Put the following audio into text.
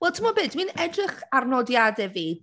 Wel, timod be? Dwi’n edrych ar nodiadau fi.